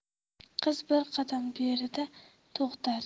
qizi bir qadam berida to'xtadi